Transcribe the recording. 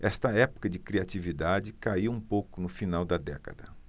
esta época de criatividade caiu um pouco no final da década